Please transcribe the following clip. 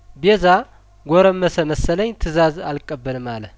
ቤዛ ጐረመሰ መሰለኝ ትዛዝ አልቀበልም አለ